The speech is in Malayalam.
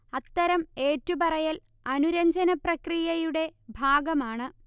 അത്തരം ഏറ്റുപറയൽ അനുരഞ്ജനപ്രക്രിയയുടെ ഭാഗമാണ്